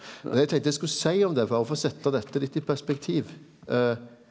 men det eg tenkte eg skulle seie om dette berre for å sette dette litt i perspektiv .